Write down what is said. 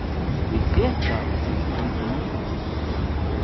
vit eta við hondunum